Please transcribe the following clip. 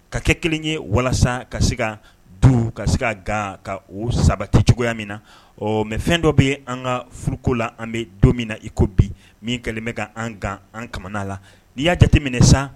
Ka kɛ kelen ye walasa ka se ka du ka se ka ga ka o saba tɛ cogoya min na ɔ mɛ fɛn dɔ bɛ an ka furuko la an bɛ don min na iko bi min kɛlen bɛ ka an kan an kamana la ni y'a jateminɛ san